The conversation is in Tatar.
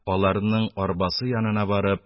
, аларның арбасы янына барып